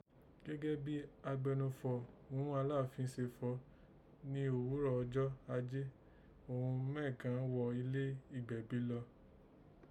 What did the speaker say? Gẹ́gẹ́ bí agbẹnufọ̀ ghún ààfin se fọ̀ọ́, ní òghúrò ọjọ́ aje òghun Merghan ghọ̀ ilé ìgbẹ̀bi lọ